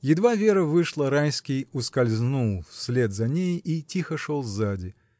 Едва Вера вышла, Райский ускользнул вслед за ней и тихо шел сзади.